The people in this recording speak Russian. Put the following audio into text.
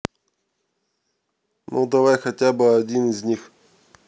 ну давай хотя бы один из них